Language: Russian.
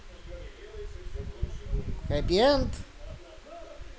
happy end